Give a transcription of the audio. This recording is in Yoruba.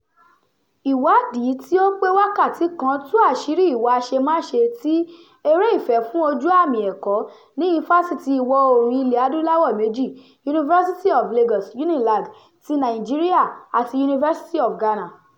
Ìwádìí tí ó pé wákàtí kan tú àṣìírí ìwà àṣemáṣe ti “eré ìfẹ́ fún ojú-àmì ẹ̀kọ́” ní ifásitì Ìwọ̀-oòrùn Ilẹ̀ Adúláwọ̀ méjì: University of Lagos (UNILAG) ti Nàìjíríà àti University of Ghana.